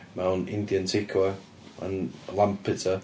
Mewn Indian takeaway yn Lampeter.